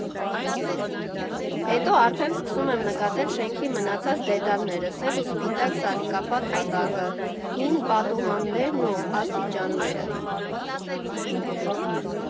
Հետո արդեն սկսում եմ նկատել շենքի մնացած դետալները՝ սև ու սպիտակ սալիկապատ հատակը, հին պատուհաններն ու աստիճանները։